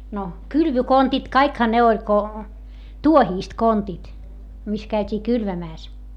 no kylvökontit kaikkihan ne oli kun tuohista kontit missä käytiin kylvämässä